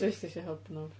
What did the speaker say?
Jyst isio Hobnob.